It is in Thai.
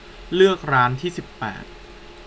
เลือกร้านที่สิบแปด